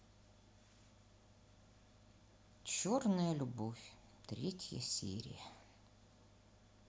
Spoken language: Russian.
черная любовь третья серия